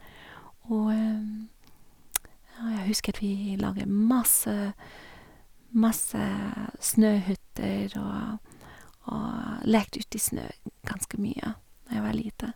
Og, ja, jeg husket vi lage masse masse snøhytter og og lekte uti snøen ganske mye når jeg var lita.